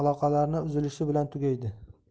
aloqalarni uzilishi bilan tugaydi